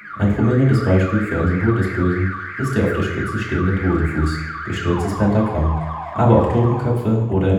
Ein prominentes Beispiel für ein Symbol des Bösen ist der auf der Spitze stehende Drudenfuß (gestürztes Pentagramm). Aber auch Totenköpfe oder